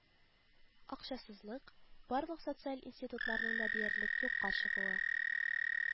Акчасызлык, барлык социаль институтларның да диярлек юкка чыгуы,